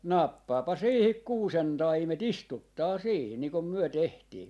nappaapa siihen kuusentaimet istuttaa siihen niin kuin me tehtiin